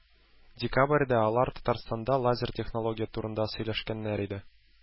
Декабрьдә алар Татарстанда лазер технология турында сөйләшкәннәр иде.